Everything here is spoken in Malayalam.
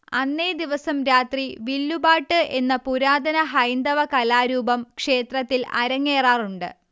അന്നേദിവസം രാത്രി വില്ലുപാട്ട് എന്ന പുരാതന ഹൈന്ദവകലാരൂപം ക്ഷേത്രത്തിൽ അരങ്ങേറാറുണ്ട്